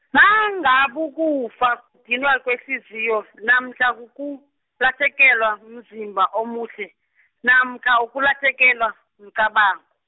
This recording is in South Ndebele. nangabukufa kudinwa kwehliziyo, namkha kukulahlekelwa mzimba omuhle, namkha ukulahlekelwa, mcaban-.